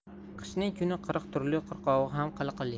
qishning kuni qirq turli qirqovi ham qiliqli